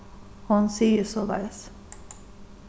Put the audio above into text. hon sigur soleiðis